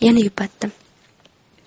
yana yupatdim